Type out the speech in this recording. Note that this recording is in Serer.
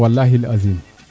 walaxil aziim